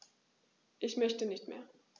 Ich möchte nicht mehr.